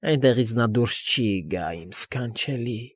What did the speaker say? Այնտեղից նա դուրս֊ս֊ս չ֊չ֊չի գա, իմ ս֊ս֊սքանչելի։